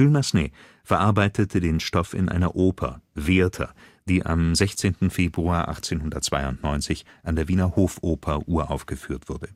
Massenet verarbeitete den Stoff in einer Oper, Werther, die am 16. Februar 1892 an der Wiener Hofoper uraufgeführt wurde